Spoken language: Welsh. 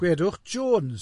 Gwedwch Jones.